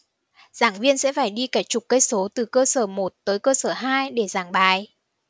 giảng viên sẽ phải đi cả chục cây số từ cơ sở một tới cơ sở hai để giảng bài